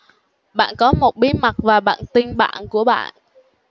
bạn có một bí mật và bạn tin bạn của bạn